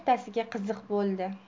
ertasiga qiziq bo'ldi